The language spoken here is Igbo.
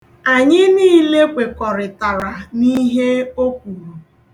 Anyị niile kwekọrịtara n'ihe o kwuru.